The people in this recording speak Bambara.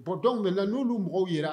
Bon dɔw min la n'uolu mɔgɔw yɛrɛ